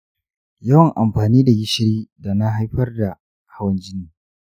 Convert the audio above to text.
yawan amfani da gishiri da na haifar da hawan jini?